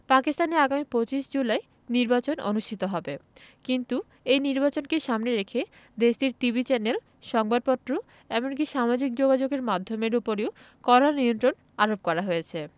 পাকিস্তানে আগামী ২৫ জুলাই নির্বাচন অনুষ্ঠিত হবে কিন্তু এই নির্বাচনকে সামনে রেখে দেশটির টিভি চ্যানেল সংবাদপত্র এমনকি সামাজিক যোগাযোগের মাধ্যমের উপরেও কড়া নিয়ন্ত্রণ আরোপ করা হয়েছে